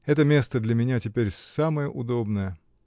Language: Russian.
Это место -- для меня теперь самое удобное.